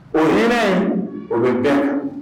O hɛrɛ o bɛ kɛ